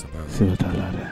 Fo